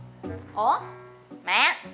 ủa mẹ